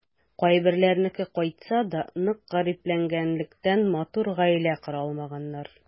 Кайберләренеке кайтса да, нык гарипләнгәнлектән, матур гаилә кора алмаганнар.